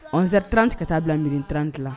11 heures 30 ka taa bila midi 30 la